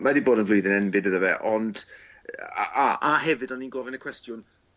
Ma' 'di bod yn flwyddyn enbyd iddo fe ond a a a hefyd o'n i'n gofyn y cwestiwn